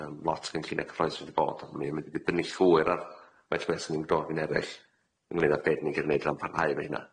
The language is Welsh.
Yym lot gynllunia cyffroes wedi bod am hynny a m- llwyr a erill ynglŷn ar be' dyn ni'n parhau efo hynna.